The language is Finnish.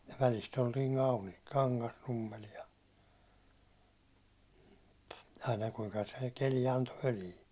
ja välistä oltiin Malmilla Kangasnummella ja aina kuinka se keli antoi völiä